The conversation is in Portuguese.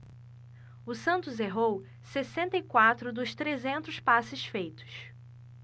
o santos errou sessenta e quatro dos trezentos passes feitos